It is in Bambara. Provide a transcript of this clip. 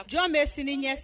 Jɔn bɛ sini ɲɛ s